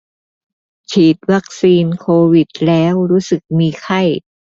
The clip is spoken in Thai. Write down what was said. ฉีดวัคซีนโควิดแล้วรู้สึกมีไข้